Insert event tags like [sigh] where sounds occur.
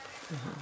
[crosstalk] [hesitation] [hesitation]